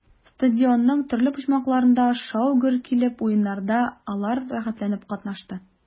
Стадионның төрле почмакларында шау-гөр килеп уеннарда алар рәхәтләнеп катнашты.